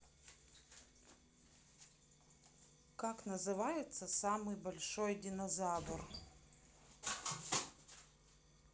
как называется самый большой динозавр